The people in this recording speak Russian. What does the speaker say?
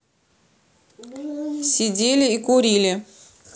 сидели и курили